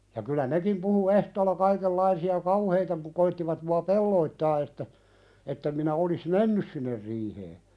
ja kyllä nekin puhui ehtoolla kaikenlaisia kauheita - koettivat minua pelotella että että en minä olisi mennyt sinne riiheen